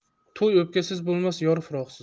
to'y o'pkasiz bo'lmas yor firoqsiz